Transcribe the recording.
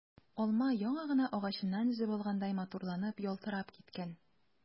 Алма яңа гына агачыннан өзеп алгандай матурланып, ялтырап киткән.